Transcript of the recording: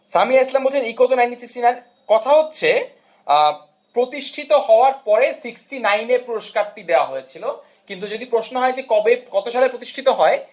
সামিয়া ইসলাম বলছেন ইকোনমিক্স 1969 কথা হচ্ছে প্রতিষ্ঠিত হওয়ার পরে 1969 এ পুরস্কারটি দেওয়া হয়েছিল কিন্তু যদি প্রশ্ন হয় যে কবে কত সালে প্রতিষ্ঠিত হয়